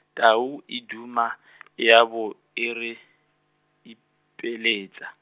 tau e duma , e a bo, e re, ipeletsa.